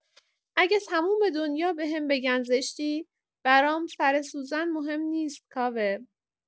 اگه تموم دنیا بهم بگن زشتی برام سر سوزن مهم نیست کاوه.